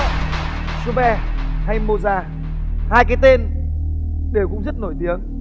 su be hay mô da hai cái tên đều cũng rất nổi tiếng